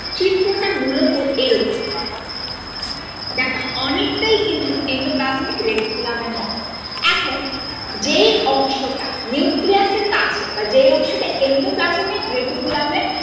চিত্রটা মূলত এরকম দেখো অনেকটাই কিন্তু এন্ডোপ্লাজমিক রেটিকুলাম এর মত এখন যে অংশটা নিউক্লিয়াস এর কাছে যে অংশটা এন্ডোপ্লাজমিক রেটিকুলাম এর